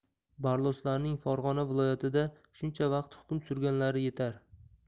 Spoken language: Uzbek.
barloslarning farg'ona viloyatida shuncha vaqt hukm surganlari yetar